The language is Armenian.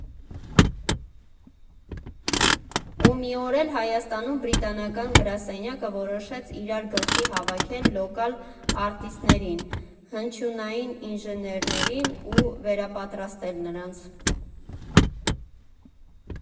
Ու մի օր էլ Հայաստանում Բրիտանական գրասենյակը որոշեց իրար գլխի հավաքել լոկալ արտիստներին, հնչյունային ինժեներներին ու վերապատրաստել նրանց։